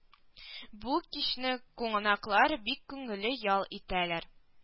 Бу кичне кунаклар бик күңелле ял итәләр